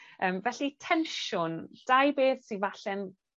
Yym felly tensiwn, dau beth sydd falle'n